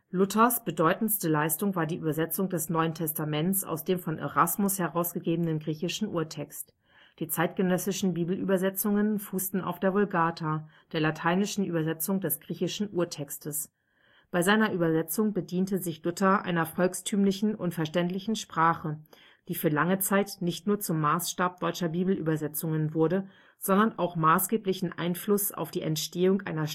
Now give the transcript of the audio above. Luthers bedeutendste Leistung war die Übersetzung des Neuen Testaments aus dem von Erasmus herausgegebenen griechischen Urtext. Die zeitgenössischen Bibelübersetzungen fußten auf der Vulgata, der lateinischen Übersetzung des griechischen Urtextes. Bei seiner Übersetzung bediente sich Luther einer volkstümlichen und verständlichen Sprache, die für lange Zeit nicht nur zum Maßstab deutscher Bibelübersetzungen wurde, sondern auch maßgeblichen Einfluss auf die Entstehung einer